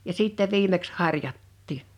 ja sitten viimeksi harjattiin